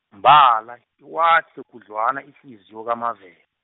mbala, iwahle khudlwana ihliziyo kaMave-.